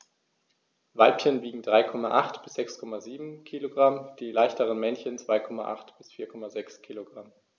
Weibchen wiegen 3,8 bis 6,7 kg, die leichteren Männchen 2,8 bis 4,6 kg.